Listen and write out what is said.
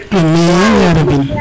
amin yarabin